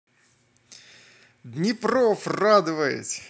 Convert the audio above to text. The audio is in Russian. днепров радовать